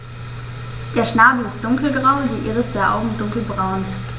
Der Schnabel ist dunkelgrau, die Iris der Augen dunkelbraun.